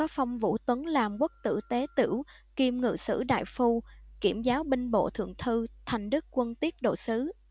phong vũ tuấn làm quốc tử tế tửu kiêm ngự sử đại phu kiểm giáo binh bộ thượng thư thành đức quân tiết độ sứ